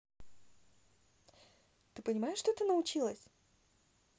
ты понимаешь что ты научилась